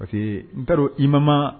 Parce que n t'a dɔn IMAMA